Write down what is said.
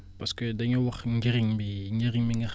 parce que dañoo wax njëriñ bi njëriñ mi nga